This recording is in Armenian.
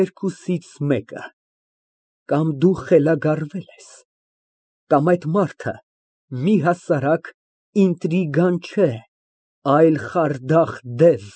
Երկուսից մեկը, կամ դու խելագարվել ես, կամ այդ մարդը մի հասարակ ինտրիգան չէ, այլ խարդախ դև։